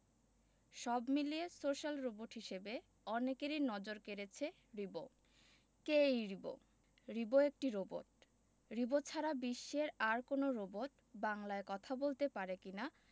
সব মিলিয়ে social robot হিসেবে অনেকেরই নজর কেড়েছে রিবো কে এই রিবো রিবো একটি রোবট রিবো ছাড়া বিশ্বের আর কোনো রোবট বাংলায় কথা বলতে পারে কি না